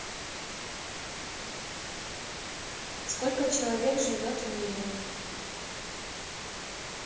сколько человек живет в мире